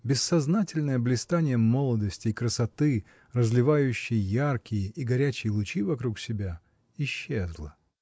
Бессознательное блистанье молодости и красоты, разливающей яркие и горячие лучи вокруг себя, — исчезло.